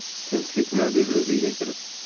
tinchlikmi dedi uyga kirib